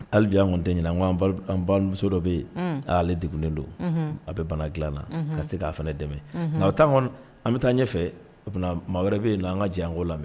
Hali anɔn tɛ ɲin nmuso dɔ bɛ yen ale deden don a bɛ bana dilan na ka se k'a fana dɛmɛ nka o taa an bɛ taa ɲɛfɛ o maa wɛrɛ bɛ la an ka jan anko lamɛn